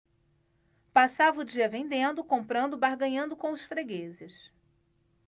passava o dia vendendo comprando barganhando com os fregueses